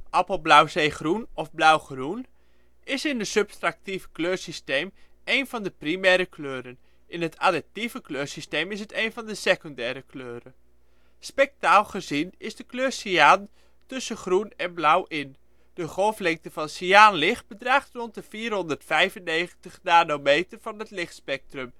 appelblauwzeegroen of blauwgroen) is in het subtractieve kleursysteem één van de primaire kleuren. In het additieve kleursysteem is het een van de secundaire kleuren. Spectraal gezien zit de kleur cyaan tussen groen en blauw in. De golflengte van cyaan licht bedraagt rond 495 nanometer van het lichtspectrum